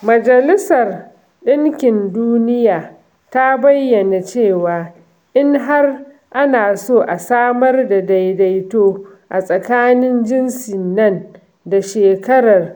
Majalisar ɗinkin Duniya ta bayyana cewa in har ana so a samar da daidaito a tsakanin jinsi nan da shekarar